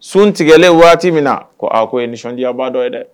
Sun tigɛlen waati min na a ko e ye nisɔndiyaya b'a dɔn ye dɛ